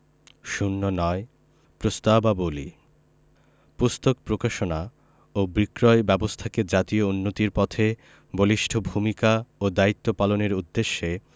০৯ প্রস্তাবাবলী পুস্তক প্রকাশনা ও বিক্রয় ব্যাবস্থাকে জাতীয় উন্নতির পথে বলিষ্ঠ ভূমিকা ও দায়িত্ব পালনের উদ্দেশ্যে